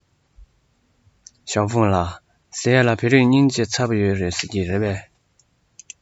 ཞའོ ཧྥུང ལགས ཟེར ཡས ལ བོད རིགས སྙིང རྗེ ཚ པོ ཡོད རེད ཟེར གྱིས རེད པས